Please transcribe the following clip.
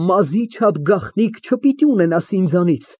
Մազի չափ գաղտնիք չպիտի ունենաս ինձանից։